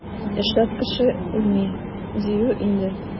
Эшләп кеше үлми, диюе инде.